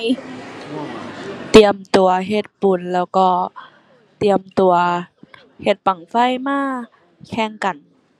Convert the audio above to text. อิ เตรียมตัวเฮ็ดบุญแล้วก็ เตรียมตัวเฮ็ดบั้งไฟมาแข่งกัน